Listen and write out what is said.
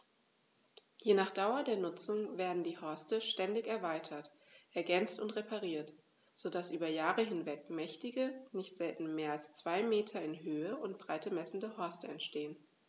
Je nach Dauer der Nutzung werden die Horste ständig erweitert, ergänzt und repariert, so dass über Jahre hinweg mächtige, nicht selten mehr als zwei Meter in Höhe und Breite messende Horste entstehen.